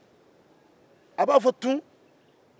a b'a fɔ tun